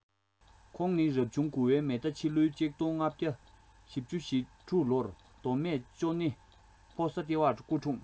ཁོང ནི རབ བྱུང དགུ བའི མེ རྟ ཕྱི ལོ ༡༥༤༦ ལོར མདོ སྨད ཅོ ནེའི ཕོ ས སྡེ བར སྐུ འཁྲུངས